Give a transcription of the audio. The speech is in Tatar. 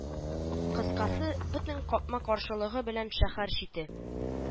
Кыскасы, бөтен капма-каршылыгы белән шәһәр чите